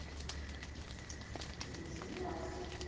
я не сомневался